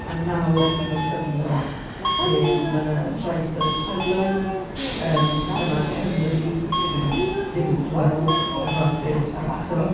a nawr 'y ni mewn cyfnod lle ma' 'na drais ar y strydoedd yym yma yng Nghymru, dyn ni ddim wedi gweld y fath beth eto,